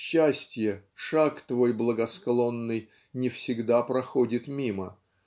Счастье, шаг твой благосклонный Не всегда проходит мимо